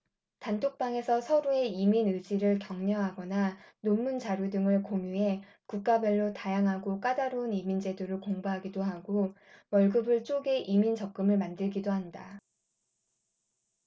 단톡방에서 서로의 이민 의지를 격려하거나 논문 자료 등을 공유해 국가별로 다양하고 까다로운 이민 제도를 공부하기도 하고 월급을 쪼개 이민 적금을 만들기도 한다